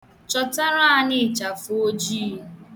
Chọtara anyị ịchafụ ojii.